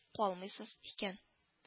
Калмыйсыз икән